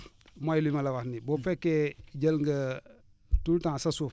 mooy li ma la wax nii bu fekkee jël nga tout le temps sa suuf